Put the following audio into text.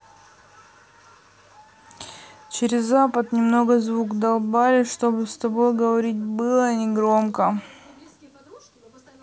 через запад немного звук долбали чтобы с тобой говорить было негромко